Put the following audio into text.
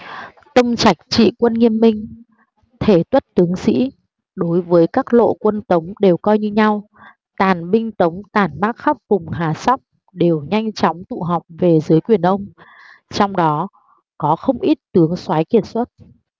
tông trạch trị quân nghiêm minh thể tuất tướng sĩ đối với các lộ quân tống đều coi như nhau tàn binh tống tản mác khắp vùng hà sóc đều nhanh chóng tụ họp về dưới quyền ông trong đó có không ít tướng soái kiệt xuất